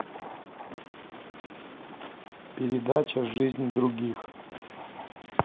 передача жизнь других